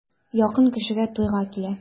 Якын кешегә туйга килә.